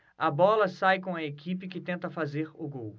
a bola sai com a equipe que tenta fazer o gol